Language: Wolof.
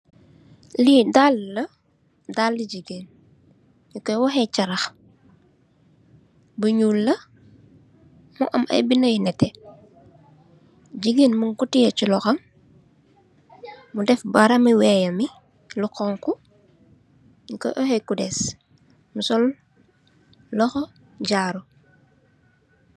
Lii daalë la, daalë daali jigéen bu ñoy wowé carax, bu ñuul la, mu am ay bindë yu nétté. Jigeen muñ ko tiye si loxom bi mu def baaraamu loxo yi lu xoñxu, ñu kooy owe kutexoxo jaaru.